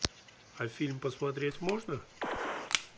а фильм посмотреть можно